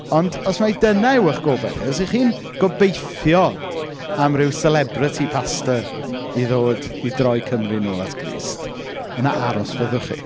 Ond os mae dyna yw eich gobaith chi, os ‘y chi'n gobeithio am ryw celebrity pastor i ddod i droi Cymru nôl at Grist, yna aros fyddwch chi.